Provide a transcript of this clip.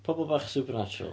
Pobol bach supernatural.